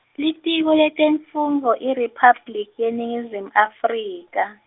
Litiko letemfundvo IRiphabliki yeNingizimu Afrika.